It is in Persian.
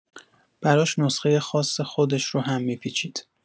براش نسخه خاص خودش رو هم می‌پیچید.